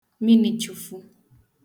minichufu